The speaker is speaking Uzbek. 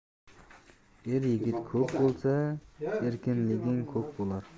er yigit ko'p bo'lsa erkinliging ko'p bo'lar